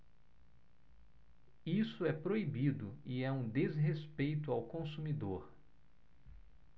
isso é proibido e é um desrespeito ao consumidor